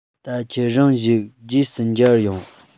ད ཁྱེད རང བཞུགས རྗེས སུ མཇལ ཡོང